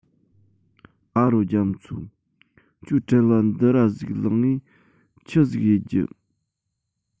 ཨ རོ རྒྱ མཚོ ཁྱོད བྲེལ བ འདི ར ཟིག ལངས ངས ཆི ཟིག ཡེད རྒྱུ